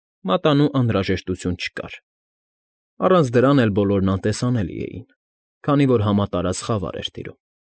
Մատանու անհրաժեշտություն չկար. առանց դրան էլ բոլորն անտեսանելի էին, քանի որ համատարած խավար էր տիրում։